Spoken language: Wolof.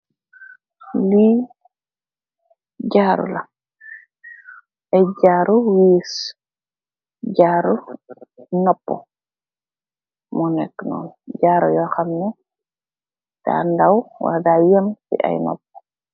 Li jaaru la ay jaaru ay jaaru wees jaaru noppa mo neka nonu jaaru yu hamnex da ndaw wala da yeem si ay noppa.